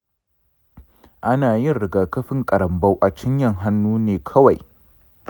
ana yin rigakafin karonbo a cinyar hanu ne kawai.